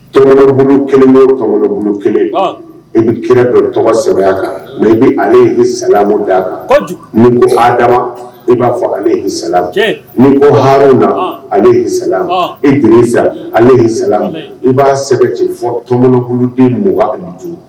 Tɔmbolombolo kelen i bɛ kira dɔ tɔgɔ sa kan mɛ i bɛ ale sama d a kan n ko hadama i b'a fɔ ale'i sa ni ko ha na alei sa e bi sa ale'isa i b'a sɛbɛn cɛ fɔ tɔmkulu bɛ mɔgɔugantu